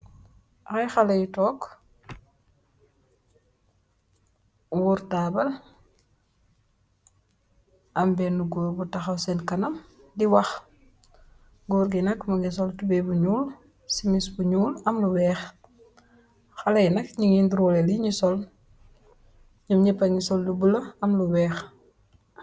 Ay xalèh yu tóóg wërr tabal am benna gór bu taxaw sèèn kanam di wax. Gór ngi nat mugii sol tubay bu ñuul simis bu ñuul am lu wèèx. Xalèh yi nak ñi ñgi niroleh lin sol ñom ñap pangi sol lu bula am lu wèèx.